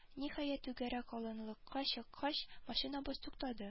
Ниһаять түгәрәк аланлыкка чыккач машинабыз туктады